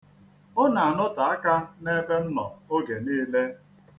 Ọ na-anote aka n'ebe m nọ oge niile.